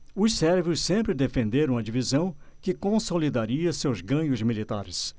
os sérvios sempre defenderam a divisão que consolidaria seus ganhos militares